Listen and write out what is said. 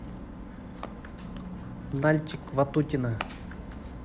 нальчик ватутина